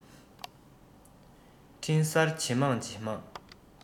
འཕྲིན གསར ཇེ མང ཇེ མང